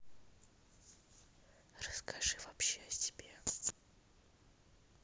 расскажи вообще о себе